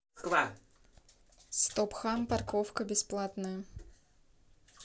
стопхам парковка бесплатная